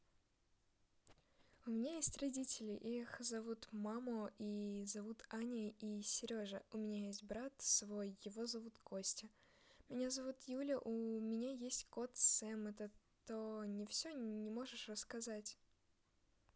у меня есть родители их зовут мамо и зовут аня и сережа у меня есть брат свой его зовут костя меня зовут юля у меня есть кот сэм это то не все не можешь рассказать